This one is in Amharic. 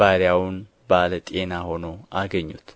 ባሪያውን ባለ ጤና ሆኖ አገኙት